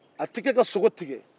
a tɛ kɛ ka sogo tigɛ